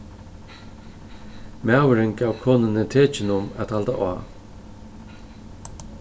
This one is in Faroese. maðurin gav konuni tekin um at halda á